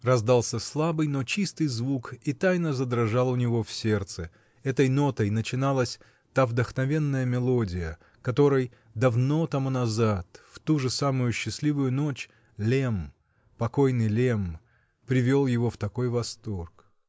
раздался слабый, но чистый звук и тайно задрожал у него в сердце: этой нотой начиналась та вдохновенная мелодия, которой, давно тому назад, в ту же самую счастливую ночь, Лемм, покойный Лемм, привел его в такой восторг.